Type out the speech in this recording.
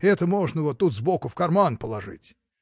это можно вот тут сбоку в карман положить.